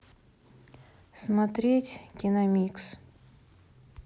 смотреть киномикс